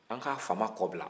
an ka fama kɔ bila